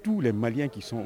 Tous les maliens qui sont au